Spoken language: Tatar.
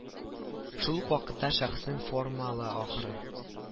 Шул ук вакытта шәхеснең формала ахыры